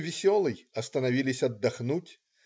Веселой остановились отдохнуть.